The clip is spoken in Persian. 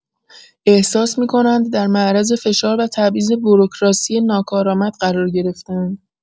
احساس می‌کنند در معرض فشار و تبعیض بروکراسی ناکارآمد قرار گرفته‌اند.